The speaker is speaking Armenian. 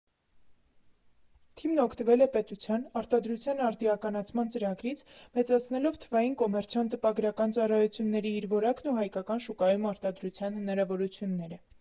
Թիմն օգտվել է պետության՝ արտադրության արդիականացման ծրագրից՝ մեծացնելով թվային կոմերցիոն տպագրական ծառայությունների իր որակն ու հայկական շուկայում արտադրության հնարավորությունները։